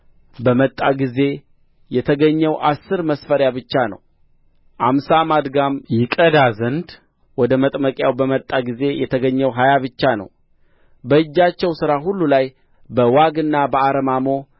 በመጣ ጊዜ የተገኘው አሥር መስፈሪያ ብቻ ነው አምሳ ማድጋም ይቀዳ ዘንድ ወደ መጥመቂያው በመጣ ጊዜ የተገኘው ሀያ ብቻ ነው በእጃችሁ ሥራ ሁሉ ላይ በዋግና በአረማሞ